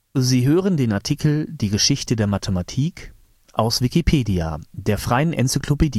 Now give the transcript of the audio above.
Sie hören den Artikel Geschichte der Mathematik, aus Wikipedia, der freien Enzyklopädie